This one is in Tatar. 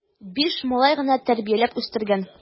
Биш малай гына тәрбияләп үстергән!